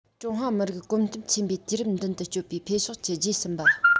ཀྲུང ཧྭ མི རིགས གོམ སྟབས ཆེན པོས དུས རབས མདུན དུ སྐྱོད པའི འཕེལ ཕྱོགས ཀྱི རྗེས ཟིན པ